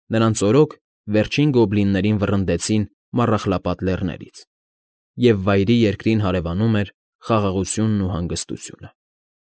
Նրանց օրոք վերջին գոբլիններին վռնդեցին Մառախլապատ Լեռներից, և Վայրի Երկրին հարևանում էր խաղաղությունն ու ահնգստությունը։